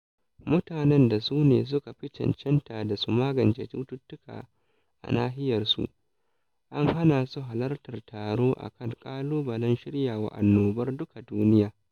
Mutanen da su ne suka fi cancanta da su magance cututtuka a nahiyarsu an hana su halartar taro a kan "ƙalubalen Shiryawa Annobar Duka Duniya".